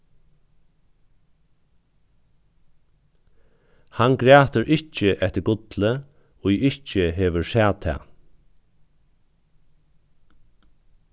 hann grætur ikki eftir gulli ið ikki hevur sæð tað